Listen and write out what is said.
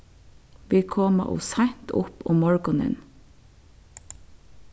vit koma ov seint upp um morgunin